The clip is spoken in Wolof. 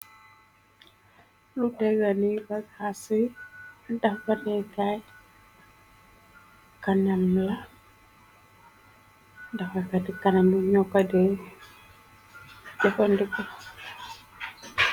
Lu degani bagase dax batekay kanam la dafakati kanam bi ñoo koder jofandiko.